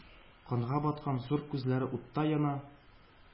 Канга баткан зур күзләре уттай яна.